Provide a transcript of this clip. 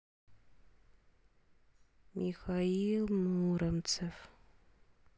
михаил муромцев